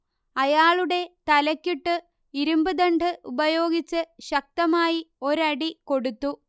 അയാളുടെ തലക്കിട്ടു ഇരുമ്പ്ദണ്ഡ് ഉപയോഗിച്ച് ശക്തമായി ഒരടി കൊടുത്തു